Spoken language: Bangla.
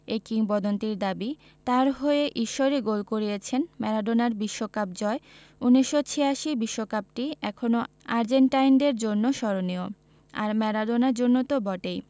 এই কিংবদন্তির দাবি তাঁর হয়ে ঈশ্বরই গোল করিয়েছেন ম্যারাডোনার বিশ্বকাপ জয় ১৯৮৬ বিশ্বকাপটি এখনো আর্জেন্টাইনদের জন্য স্মরণীয় আর ম্যারাডোনার জন্য তো বটেই